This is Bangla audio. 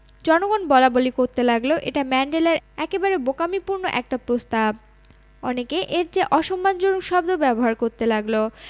জনগণ বলাবলি করতে লাগল এটা ম্যান্ডেলার একেবারে বোকামিপূর্ণ একটা প্রস্তাব অনেকে এর চেয়ে অসম্মানজনক শব্দ ব্যবহার করতে লাগল